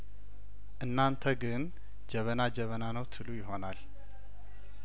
እናንተ ግን ጀበና ጀበና ነው ትሉ ይሆናል